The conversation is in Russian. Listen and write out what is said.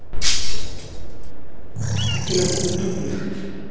афина ты тупишь